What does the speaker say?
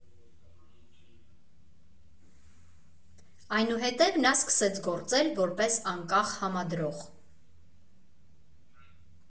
Այնուհետև նա սկսեց գործել որպես անկախ համադրող։